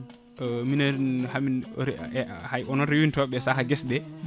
mien hamin hay onon rewintoɓe saaha gueseɗe